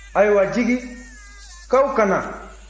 ayiwa jigi k'aw ka na